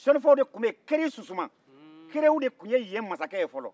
senufɔw de tun bɛ yen keri sisuma kerew de tun ye yen mansakɛ ye fɔlɔn